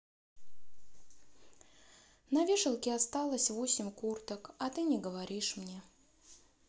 на вешалке осталась восемь курток а ты не говоришь мне